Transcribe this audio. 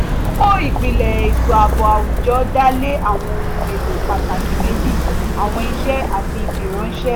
Kókó ìpìlẹ̀ ètò ààbò àwùjọ dá lé àwọn ohun èlò pàtàkì méjì: àwọn iṣẹ́ àti ìfiránṣẹ́.